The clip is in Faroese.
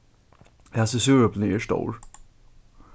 hasi súreplini eru stór